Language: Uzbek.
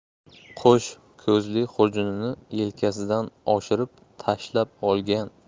qo'sh ko'zli xurjunini yelkasidan oshirib tashlab olgan